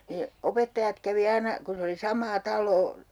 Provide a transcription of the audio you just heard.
ne opettajat kävi aina kun se oli samaa taloa